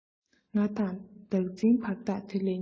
ང དང བདག འཛིན བར ཐག དེ ལས ཉེ